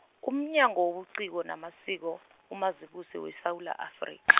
umnyango wobuciko namasiko, uMazibuse weSewula Afrika.